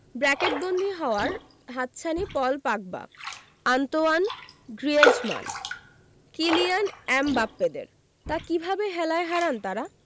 ব্র্যাকেটবন্দি হওয়ার হাতছানি Pogba Antoine Griezmann Kylian এমবাপ্পেদের তা কিভাবে হেলায় হারান তাঁরা